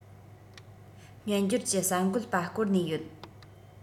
སྨྱན སྦྱོར གྱི གསར འགོད པ བསྐོར ནས ཡོད